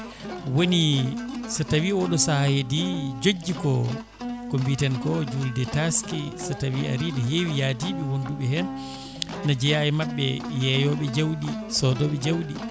woni so tawi oɗo saaha heedi jojji ko ko mbiten ko julde taske so tawi aari ne heewi yaadiɓe wonduɓe hen ne jeeya e mabɓe yeeyoɓe jawɗi sodoɓe jawɗi